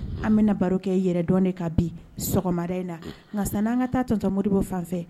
An bɛna na barokɛ yɛrɛ dɔn de ka bi sɔgɔmara in na nka san n anan ka taa tɔntɔmo moriɔribɔ fanfɛ